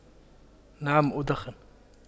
نعم أدخن